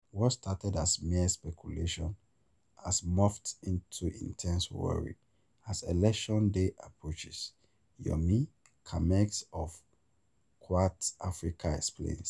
What started as mere speculation has morphed into intense worry as election day approaches. Yomi Kamez of Quartz Africa explains: